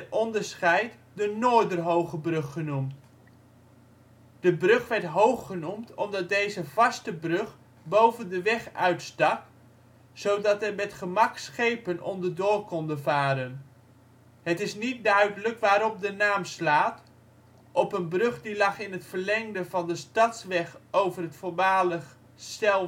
onderscheid de Noorderhoogebrug genoemd. De brug werd hoog genoemd, omdat deze vaste brug boven de weg uitstak, zodat er met gemak schepen onderdoor konden varen. Het is niet duidelijk waarop de naam slaat: op een brug die lag in het verlengde van de Stadsweg over het voormalig Selwerderdiepje